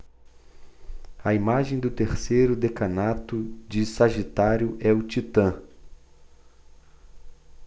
a imagem do terceiro decanato de sagitário é o titã